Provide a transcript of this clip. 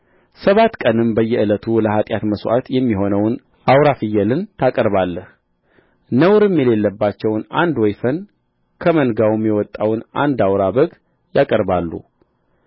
ሰባት ቀንም በየዕለቱ ለኃጢአት መሥዋዕት የሚሆነውን አውራ ፍየልን ታቀርባለህ ነውርም የሌለባቸውን አንድ ወይፈን ከመንጋውም የወጣውን አንድ አውራ በግ ያቀርባሉ